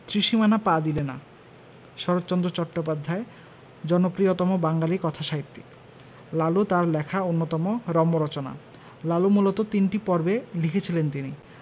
ত্রিসীমানা পা দিলে না শরৎচন্দ্র চট্টোপাধ্যায় জনপ্রিয়তম বাঙালি কথাসাহিত্যিক লালু তার লেখা অন্যতম রম্য রচনা লালু মূলত তিনটি পর্বে লিখেছিলেন তিনি